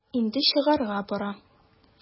Инде чыгарга бара.